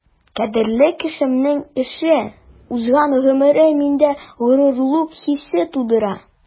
Кадерле кешемнең эше, узган гомере миндә горурлык хисе тудыра.